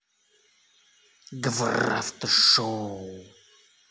гвр автошоу